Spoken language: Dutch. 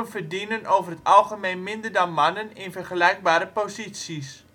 verdienen over het algemeen minder dan mannen in vergelijkbare posities